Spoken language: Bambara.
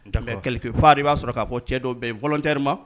Quelque part i b'a sɔrɔ k'a fɔ cɛ dɔw bɛ yen volontairement